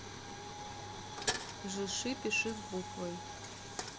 жиши пиши с буквой